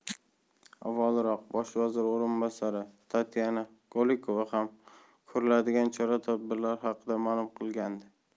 avvalroq bosh vazir o'rinbosari tatyana golikova ham ko'riladigan chora tadbirlar haqida ma'lum qilgandi